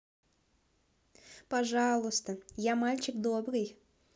пожалуйста я мальчик добрый